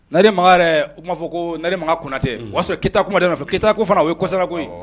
Nare makan yɛrɛ u tun'a fɔ ko nare makan kunnatɛ o y'a sɔrɔ kiyita kuma de keyita ko fana o ye kɔsa koyi